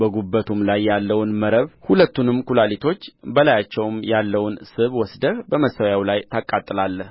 በጉልበቱም ላይ ያለውን መረብ ሁለቱንም ኵላሊቶች በላያቸውም ያለውን ስብ ወስደህ በመሠዊያው ላይ ታቃጥላለህ